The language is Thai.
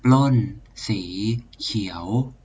ปล้นสีเขียว